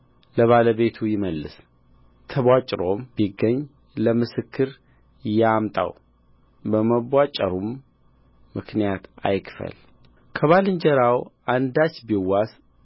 ለባለቤቱ ይመልስ ተቧጭሮም ቢገኝ ለምስክር ያምጣው በመቧጨሩም ምክንያት አይክፈል ከባልንጀራው አንዳች ቢዋስ